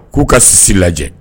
K'u ka sisi lajɛ